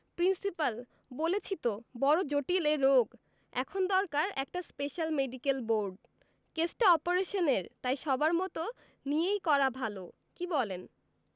principal বলেছি তো বড় জটিল এ রোগ এখন দরকার একটা স্পেশাল মেডিকেল বোর্ড কেসটা অপারেশনের তাই সবার মত নিয়েই করা ভালো কি বলেন